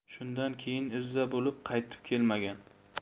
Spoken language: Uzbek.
shundan keyin izza bo'lib qaytib kelmagan